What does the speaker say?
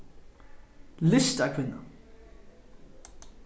listakvinna